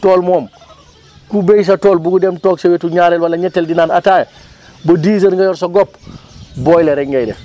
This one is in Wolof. tool moom ku béy sa tool bugg dem toog sa wetu ñaareel wala ñetteel di naan ataaya ba 10 heures nga yor sa gopp booyle rek ngay def